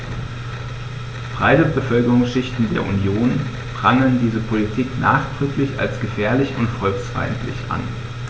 Breite Bevölkerungsschichten der Union prangern diese Politik nachdrücklich als gefährlich und volksfeindlich an.